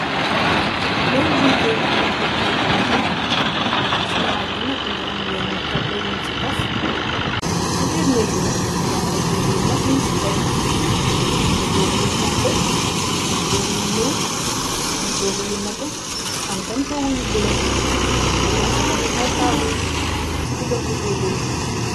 néeg buñ pentiir pentiir bu nete ci maraaj bi nak ngi am yennnu tabla yuñ ci taf ci biir niit wi nak ngi am ay tuugu yu magiñ ci tekk amna toogu yu xonko am toogu yu ñuul am toogu yu nete amtam toogu yu bula ñu teg ci tamit ay taabul ci digante toogu yi